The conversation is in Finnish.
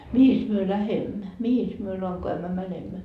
mihinkäs me lähdemme mihinkäs me lankoämmä menemme